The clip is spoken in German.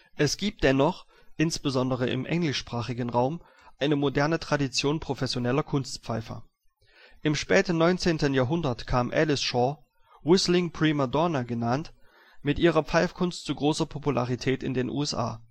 Es gibt dennoch, insbesondere im englischsprachigen Raum, eine moderne Tradition professioneller Kunstpfeifer. Im späten 19. Jahrhundert kam Alice Shaw, whistling prima donna genannt, mit ihrer Pfeifkunst zu großer Popularität in den USA